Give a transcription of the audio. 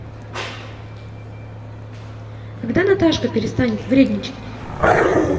когда наташка перестанет вредничать